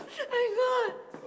anh ơi